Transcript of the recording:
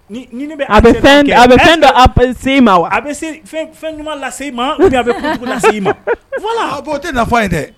Bɛ fɛn a bɛ fɛn bɛ se ma a fɛn ma lase ma a bɛ lase ma fɔlɔo tɛfɔ ye dɛ